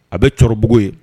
A bɛ cɛkɔrɔbabugu ye